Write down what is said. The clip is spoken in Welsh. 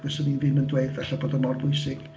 Fyswn i ddim yn dweud falle bod o mor bwysig.